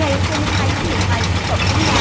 ngày hai mươi hai tháng mười hai tổng thống nga